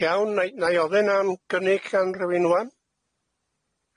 Iawn nâi nâi ofyn am gynnig gan rywun ŵan.